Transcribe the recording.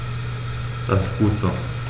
Das ist gut so.